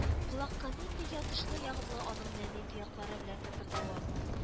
Колакка нинди ятышлы-ягымлы аның нәни тояклары белән тыпырдавы